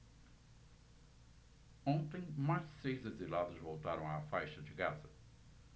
ontem mais seis exilados voltaram à faixa de gaza